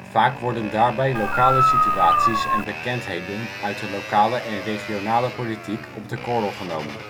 Vaak worden daarbij lokale situaties en bekendheden uit de lokale en regionale politiek op de korrel genomen